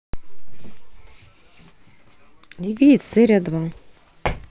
ливиец серия два